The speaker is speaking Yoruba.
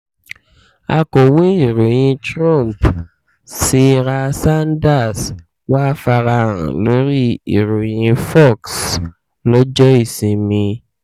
Àkọ̀wé ìròyǹ Trump, Sarah Sanders, wà farahàn lórí ìòyìn Fox l’ọ́jọ́ Ìsinmi.